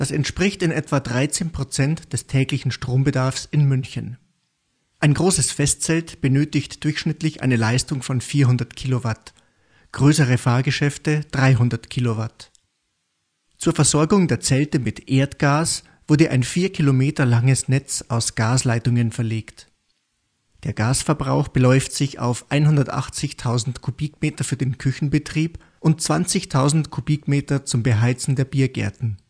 entspricht in etwa 13 % des täglichen Strombedarfs in München. Ein großes Festzelt benötigt durchschnittlich eine Leistung von 400 Kilowatt, größere Fahrgeschäfte 300 Kilowatt. Zur Versorgung der Zelte mit Erdgas wurde ein vier Kilometer langes Netz aus Gasleitungen verlegt. Der Gasverbrauch beläuft sich auf 180.000 Kubikmeter für den Küchenbetrieb und 20.000 Kubikmeter zum Beheizen der Biergärten